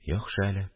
– яхшы әле